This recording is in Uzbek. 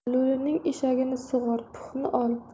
lo'lining eshagini sug'or puhni ol